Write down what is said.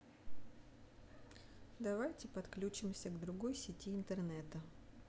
давайте подключимся к другой сети интернета